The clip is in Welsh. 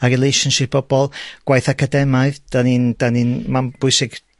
a relationship bobol, gwaith academaidd, 'dan ni'n 'dan ni'n ma'n bwysig,